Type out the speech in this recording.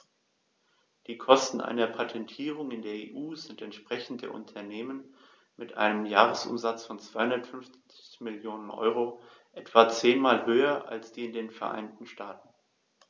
Die Kosten einer Patentierung in der EU sind, entsprechend der Unternehmen mit einem Jahresumsatz von 250 Mio. EUR, etwa zehnmal höher als in den Vereinigten Staaten.